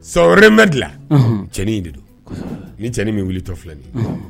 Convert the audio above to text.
Sɔɔri bɛ dilan cɛn de do ni cɛnini bɛ wuli tɔ filɛ min